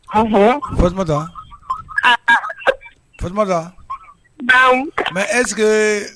Tumada fatumada mɛ ɛse